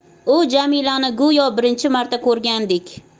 u jamilani go'yo birinchi marta ko'rgandek